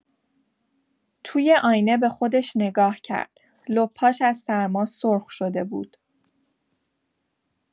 توی آینه به خودش نگاه کرد، لپاش از سرما سرخ شده بود.